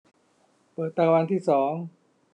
เปิดเตาอันที่สอง